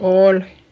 oli